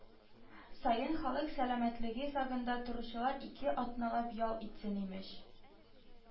Саен халык сәламәтлеге сагында торучылар ике атналап ял итсен, имеш